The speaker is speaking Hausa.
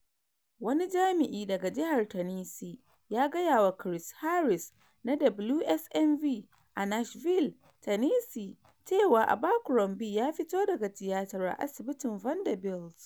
Wani jami'i daga jihar Tennessee ya gaya wa Chris Harris na WSMV a Nashville, Tennessee, cewa Abercrombie ya fito daga tiyatar a Asibitin Vanderbilt.